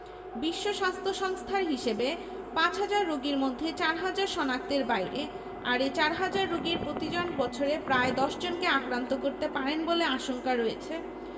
বিশ্ব স্বাস্থ্য সংস্থার হিসেবে পাঁচহাজার রোগীর মধ্যে চারহাজার শনাক্তের বাইরে আর এ চারহাজার রোগীর প্রতিজন বছরে আরও ১০ জনকে আক্রান্ত করতে পারেন বলে আশঙ্কা রয়েছে